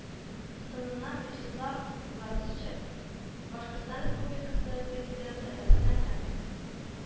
Соңыннан Вячеслав Глазычев Башкортстан Республикасы Президенты Рөстәм Хәмитов